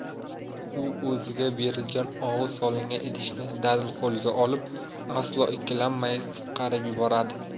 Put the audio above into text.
u o'ziga berilgan og'u solingan idishni dadil qo'lga olib aslo ikkilanmay sipqarib yuboradi